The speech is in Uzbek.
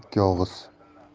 haqida ikki og'iz